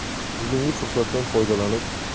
bugungi fursatdan foydalanib